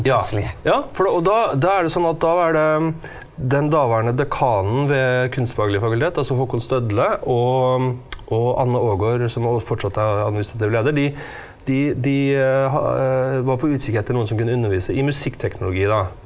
ja ja for da og da da er det sånn at da er det den daværende dekanen ved Kunstfaglig fakultet, altså Håkon Stødle og og Anne Aagaard som og fortsatt er administrativ leder, de de de var på utkikk etter noen som kunne undervise i musikkteknologi da.